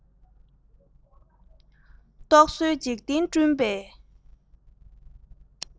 རྟོག བཟོའི འཇིག རྟེན བསྐྲུན པའི